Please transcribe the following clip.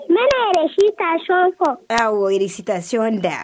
N sitason fɔ' wori sitacon da